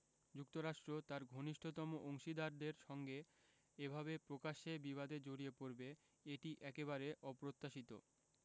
যুক্তরাষ্ট্র তার ঘনিষ্ঠতম অংশীদারদের সঙ্গে এভাবে প্রকাশ্যে বিবাদে জড়িয়ে পড়বে এটি একেবারে অপ্রত্যাশিত